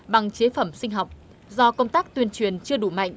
bằng chế phẩm sinh học do công tác tuyên truyền chưa đủ mạnh